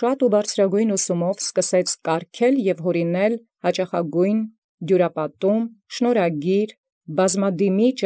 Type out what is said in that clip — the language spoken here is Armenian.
Առաւել և բարձրագոյն վարդապետութեամբն՝ սկսեալ երանելոյն Մաշթոցի ճառս յաճախագոյնս, դիւրապատումս, շնորհագիրս, բազմադիմիս